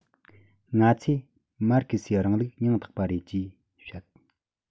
ང ཚོས མར ཁེ སིའི རིང ལུགས ཡང དག པ རེད ཅེས བཤད